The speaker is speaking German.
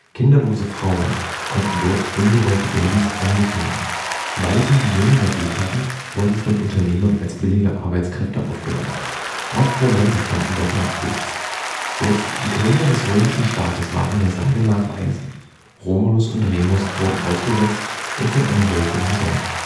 Kinderlose Frauen konnten dort ungewollte Babys an sich nehmen. Waisen, die weniger Glück hatten, wurden von Unternehmern als billige Arbeitskräfte aufgenommen. Auch Bordelle fanden dort Nachwuchs. Selbst die Gründer des römischen Staates waren – der Sage nach – Waisen. Romulus und Remus wurden ausgesetzt und von einer Wölfin gesäugt